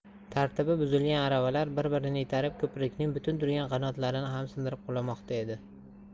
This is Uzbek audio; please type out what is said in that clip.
tartibi buzilgan aravalar bir birini itarib ko'prikning butun turgan qanotlarini ham sindirib qulamoqda edi